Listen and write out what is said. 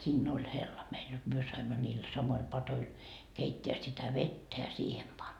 siinä oli hella meillä jotta me saimme niillä samoilla padoilla keittää sitä vettä ja siihen panna